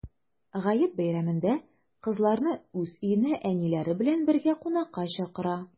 Гает бәйрәмендә кызларны уз өенә әниләре белән бергә кунакка чакыра.